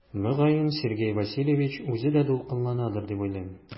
Мөгаен Сергей Васильевич үзе дә дулкынланадыр дип уйлыйм.